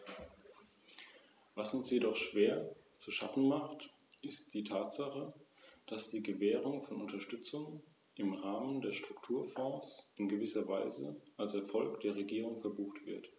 Das bedeutet, dass lokale Gebietskörperschaften und nationale Regierungen bei der Verwendung dieser Mittel eng und partnerschaftlich zusammenarbeiten müssen.